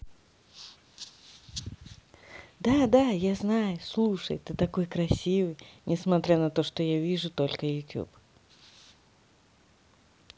да да я знаю слушай ты такой красивый несмотря на то что я вижу только youtube